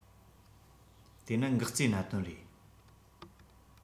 དེ ནི འགག རྩའི གནད དོན རེད